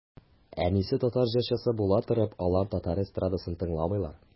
Әнисе татар җырчысы була торып, алар татар эстрадасын тыңламыйлар.